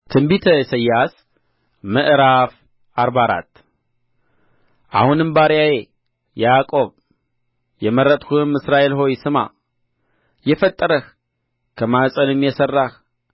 ትንቢተ ኢሳይያስ ምዕራፍ አርባ አራት አሁንም ባሪያዬ ያዕቆብ የመረጥሁህም እስራኤል ሆይ ስማ የፈጠረህ ከማኅፀንም የሠራህ